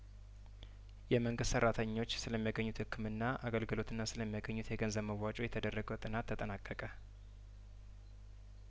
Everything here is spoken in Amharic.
የመንግስት ሰራተኞች ስለሚ ያገኙት ህክምና አገልግሎትና ስለሚ ያደርጉት የገንዘብ መዋጮ የተደረገው ጥናት ተጠናቀቀ